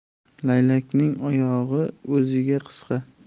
laylakning oyog'i o'ziga qisqa